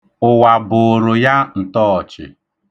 Ụwa bụụrụ ya ntọọchị.